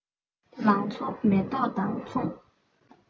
ལང ཚོ མེ ཏོག དང མཚུངས